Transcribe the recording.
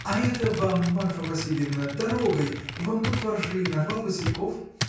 А это вам, Марфа Васильевна, дорогой, вон тут во ржи нарвал васильков.